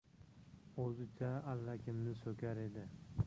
o'zicha allakimni so'kar edi